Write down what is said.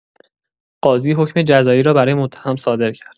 قاضی حکم جزایی را برای متهم صادر کرد.